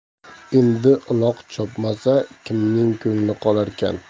endi uloq chopmasa kimning ko'ngli qolarkan